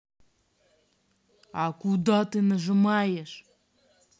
а куда ты нажимаешь